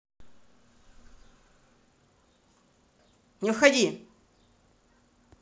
не входи